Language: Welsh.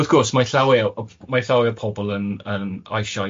Wrth gwrs, mae llawe iaw- o mae llawer o pobl yn yn eisiau,